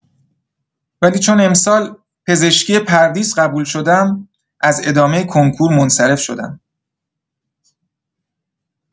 ولی چون امسال پزشکی پردیس قبول شدم از ادامه کنکور منصرف شدم